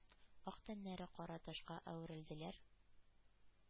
Ак тәннәре кара ташка әверелделәр